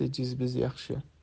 bitta jiz biz yaxshi